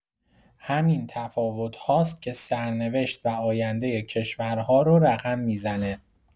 همین تفاوت هاست که سرنوشت و آینده کشورها رو رقم می‌زنه.